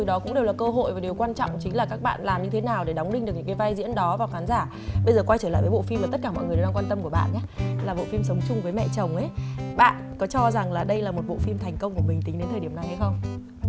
đó cũng đều là cơ hội và điều quan trọng chính là các bạn làm như thế nào để đóng đinh được những vai diễn đó vào khán giả bây giờ quay trở lại với bộ phim mà tất cả mọi người đều đang quan tâm của bạn nhlá là bộ phim sống chung với mẹ chồng ý bạn có cho rằng là đây là một bộ phim thành công của mình tính đến thời điểm này hay không